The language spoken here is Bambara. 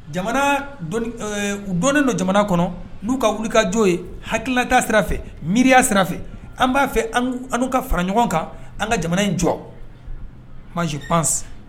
Jamana u donnen don jamana kɔnɔ n'u ka wulika joo ye hakililata sira miiriya sira an b'a fɛ an ka fara ɲɔgɔn kan an ka jamana in jɔ mazo pan